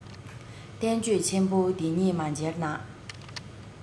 བསྟན བཅོས ཆེན པོ འདི གཉིས མ མཇལ ན